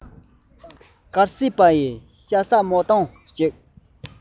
དཀར ཟས པ ཡིས ཤ ཟ སྨོད སྟངས ཤིག